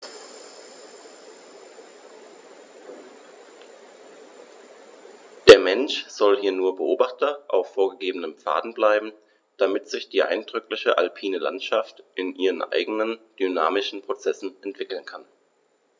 Der Mensch soll hier nur Beobachter auf vorgegebenen Pfaden bleiben, damit sich die eindrückliche alpine Landschaft in ihren eigenen dynamischen Prozessen entwickeln kann.